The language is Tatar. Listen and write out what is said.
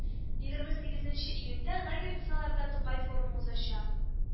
Егерме сигезенче июньдә лагерь кысаларында Тукай форумы узачак